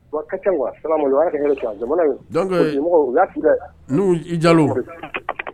Wa a ka caman quoi . salam aleykum . allah ka hɛrɛ caaman kɛ jamana in ye. Jamana in pɔltigimɔgɔw je y'a cindɛ! donc Unhun, i Jalo.